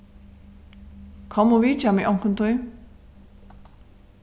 kom og vitja meg onkuntíð